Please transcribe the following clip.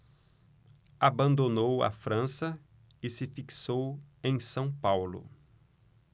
abandonou a frança e se fixou em são paulo